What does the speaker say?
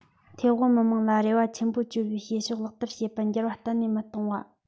ཐའེ ཝན མི དམངས ལ རེ བ ཆེན པོ བཅོལ བའི བྱེད ཕྱོགས ལག བསྟར བྱེད པར འགྱུར བ གཏན ནས མི གཏོང བ